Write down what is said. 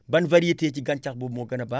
ba variété ci gàncax boobu moo gën a baax